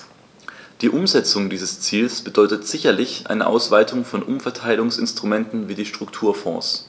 Die Umsetzung dieses Ziels bedeutet sicherlich eine Ausweitung von Umverteilungsinstrumenten wie die Strukturfonds.